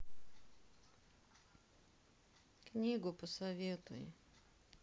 книгу посоветуй